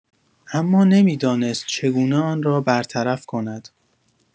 اما نمی‌دانست چگونه آن را برطرف کند.